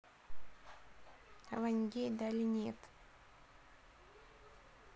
ваня гей дали нет